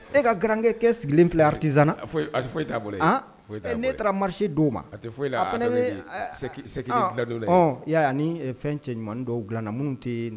Ne ka garan kɛ sigilen filɛ aritiz foyi bolo ne taara marisi' ma foyi ne bɛ don la ni fɛn cɛ ɲuman dɔw dilan na minnu tɛ